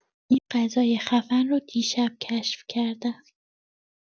این غذای خفن رو دیشب کشف کردم!